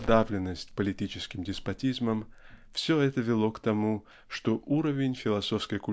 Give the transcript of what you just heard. подавленность политическим деспотизмом, все это вело к тому что уровень философской